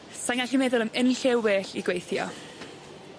Sai'n gallu meddwl am unryw lle well i gweithio.